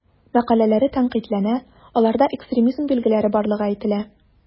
Мәкаләләре тәнкыйтьләнә, аларда экстремизм билгеләре барлыгы әйтелә.